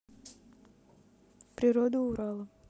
природа урала